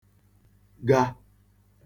ga